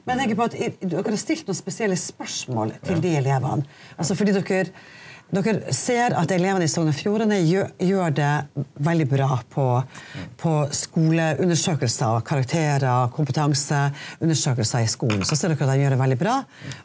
men jeg tenker på at dere har stilt noen spesielle spørsmål til de elevene, altså fordi dere dere ser at elevene i Sogn og Fjordane gjør det veldig bra på på skoleundersøkelser og karakterer kompetanseundersøkelser i skolen så ser dere at de gjør det veldig bra.